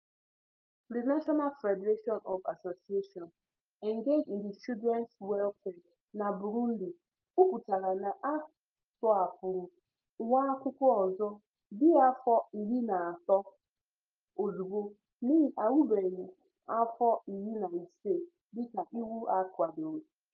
The National Federation of Associations Engaged in Children's Welfare na Burundi kwupụtara na a tọhapụrụ nwa akwụkwọ ọzọ, dị afọ 13, ozugbo n'ihi na orubeghị afọ 15 dịka iwu ha kwadoro.